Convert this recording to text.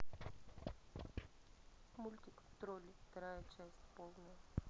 мультик тролли вторая часть полная